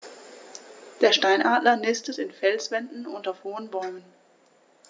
Der Steinadler nistet in Felswänden und auf hohen Bäumen.